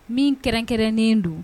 Min kɛrɛnkɛrɛnnen don